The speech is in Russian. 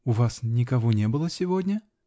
-- У вас никого не было сегодня?